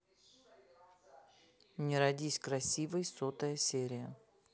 не родись красивой сотая серия